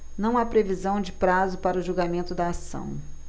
não há previsão de prazo para o julgamento da ação